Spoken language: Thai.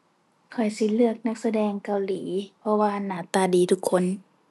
ข้อยสิเลือกนักแสดงเกาหลี เพราะว่าหน้าตาดีทุกคน